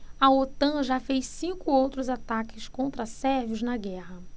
a otan já fez cinco outros ataques contra sérvios na guerra